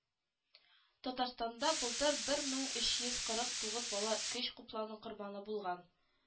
Татарстанда былтыр бер мең өч йөз кырык тугыз бала көч куплану корбаны булган